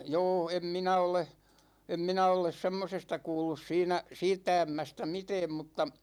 joo en minä ole en minä ole semmoisesta kuullut siinä siitä ämmästä mitään mutta